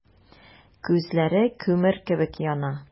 Күзләре күмер кебек яна.